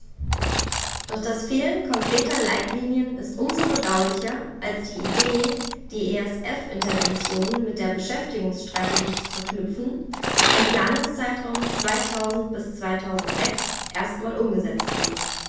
Doch das Fehlen konkreter Leitlinien ist um so bedauerlicher, als die Idee, die ESF-Interventionen mit der Beschäftigungsstrategie zu verknüpfen, im Planungszeitraum 2000-2006 erstmals umgesetzt wird.